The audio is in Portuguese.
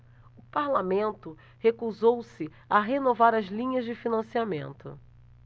o parlamento recusou-se a renovar as linhas de financiamento